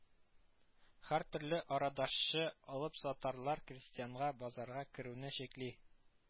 Һәртөрле арадашчы, алыпсатарлар крестьянга базарга керүне чикли